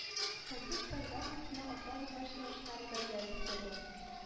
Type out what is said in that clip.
Концерт программасына ата-аналар чыгышлары да ямь өстәде